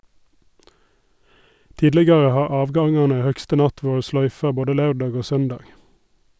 Tidlegare har avgangane høgste natt vore sløyfa både laurdag og søndag.